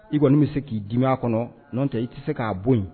I kɔnii bɛ se k'i dimi a kɔnɔ n' o tɛ i tɛ se k'a bɔ yen